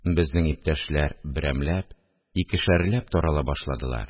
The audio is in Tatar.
Безнең иптәшләр берәмләп, икешәрләп тарала башладылар